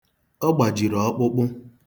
Ọ gbajiri ọkpụkpụ.